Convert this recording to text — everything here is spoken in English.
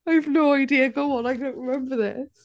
I've no idea... Go on, I don't remember this.